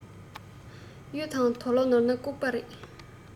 གཡུ དང དོ ལོ ནོར ན ལྐུགས པ རེད